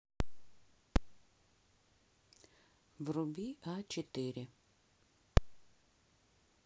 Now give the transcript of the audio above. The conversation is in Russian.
вруби а четыре